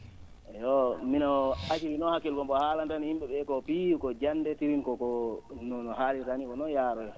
eyoo mino acirii noon hakkille e ko mbo haalanta nin yim?e ?ee koo piiw ko jannde tiri? ko ko no haaliraa nii ko noon yaaroyra